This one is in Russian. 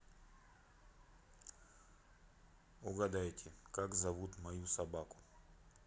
угадайте как зовут мою собаку